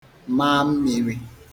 ma mmīrī